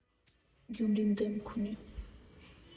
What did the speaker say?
Գյումրին դեմք ունի։